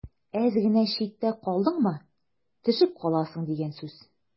Әз генә читтә калдыңмы – төшеп каласың дигән сүз.